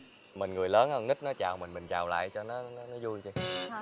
mình người lớn hơn con nít nó chào mình mình chào lại cho nó nó vui đi